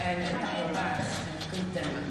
yn y dail bach yr goeden 'ma